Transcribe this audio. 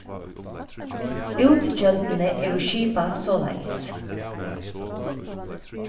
útgjøldini eru skipað soleiðis